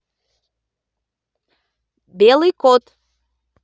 белый кот